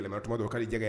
yɛlɛma tuma dɔ o ka ɲi jɛgɛ